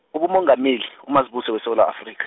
ubumongameli, uMazibuse weSewula Afrik-.